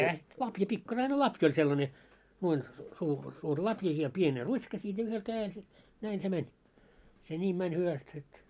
- lapio pikkarainen lapio oli sellainen noin - suuri lapio ja pieni ruttska siitä ja yhden kädellä se näin se meni se niin meni hyvästi sitten